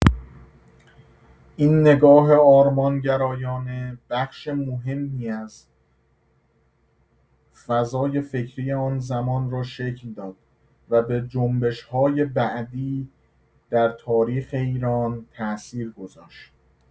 این نگاه آرمان‌گرایانه بخش مهمی از فضای فکری آن‌زمان را شکل داد و به جنبش‌های بعدی در تاریخ ایران تاثیر گذاشت.